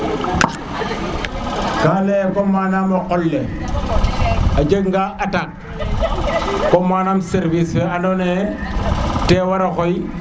ka leye comme manaam o qol le a jega nga attaque comme mannam service fe andona ye te waro xooy